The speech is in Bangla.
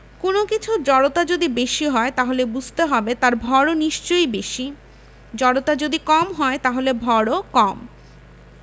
কোনো কিছুর জড়তা যদি বেশি হয় তাহলে বুঝতে হবে তার ভরও নিশ্চয়ই বেশি জড়তা যদি কম হয় তাহলে ভরও কম